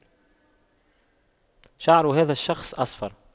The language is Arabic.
شعر هذا الشخص اصفر